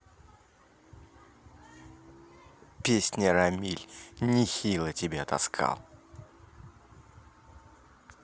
песня рамиль нехило тебя таскал